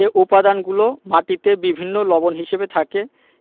এ উপাদানগুলো মাটিতে বিভিন্ন লবণ হিসেবে থাকে